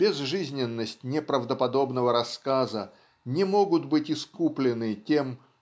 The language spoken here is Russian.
безжизненность неправдоподобного рассказа не могут быть искуплены тем